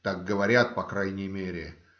Так говорят по крайней мере.